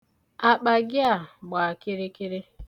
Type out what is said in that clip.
Akpa gị a gba kịrịkịrị.